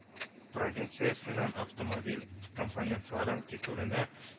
Провинциясеннән автомобиль компонентларын китерүне